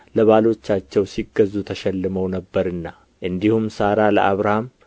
ለባሎቻቸው ሲገዙ ተሸልመው ነበርና እንዲሁም ሣራ ለአብርሃም